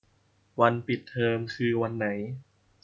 วันปิดเทอมคือวันไหน